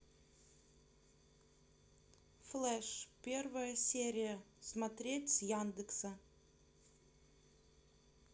флэш первая серия смотреть с яндекса